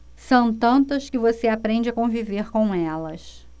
são tantas que você aprende a conviver com elas